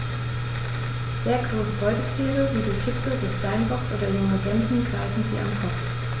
Sehr große Beutetiere wie Kitze des Steinbocks oder junge Gämsen greifen sie am Kopf.